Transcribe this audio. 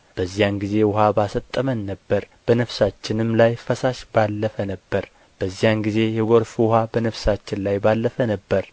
በዚያን ጊዜ ውኃ ባሰጠመን ነበር በነፍሳችንም ላይ ፈሳሽ ባለፈ ነበር በዚያን ጊዜ የጐርፍ ውኃ በነፍሳችን ላይ ባለፈ ነበር